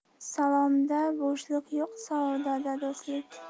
salomda bo'shlik yo'q savdoda do'stlik